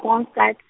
Kroonstad .